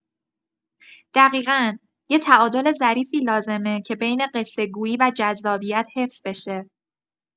دقیقا، یه تعادل ظریفی لازمه که بین قصه‌گویی و جذابیت حفظ بشه.